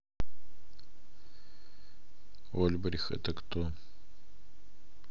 ольбрих это кто